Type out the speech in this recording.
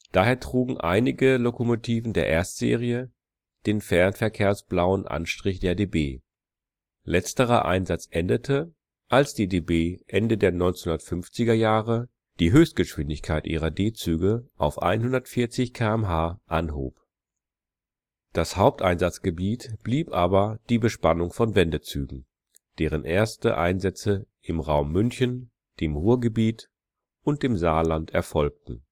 Daher trugen einige Lokomotiven der Erstserie den fernverkehrsblauen Anstrich der DB. Letzterer Einsatz endete, als die DB Ende der 1950er Jahre die Höchstgeschwindigkeit ihrer D-Züge auf 140 km/h anhob. Das Haupteinsatzgebiet blieb aber die Bespannung von Wendezügen, deren erste Einsätze im Raum München, dem Ruhrgebiet und dem Saarland erfolgten